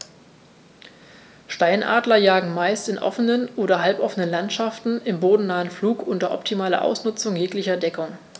Steinadler jagen meist in offenen oder halboffenen Landschaften im bodennahen Flug unter optimaler Ausnutzung jeglicher Deckung.